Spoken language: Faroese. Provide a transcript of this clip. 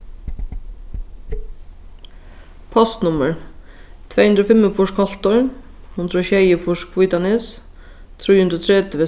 postnummur tvey hundrað og fimmogfýrs koltur hundrað og sjeyogfýrs hvítanes trý hundrað og tretivu